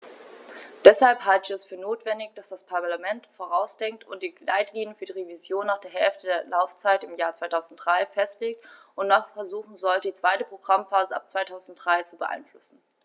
Deshalb halte ich es für notwendig, dass das Parlament vorausdenkt und die Leitlinien für die Revision nach der Hälfte der Laufzeit im Jahr 2003 festlegt und noch versuchen sollte, die zweite Programmphase ab 2003 zu beeinflussen.